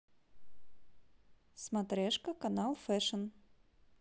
смотрешка канал фэшн